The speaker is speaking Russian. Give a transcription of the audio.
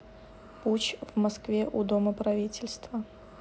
путч в москве у дома правительства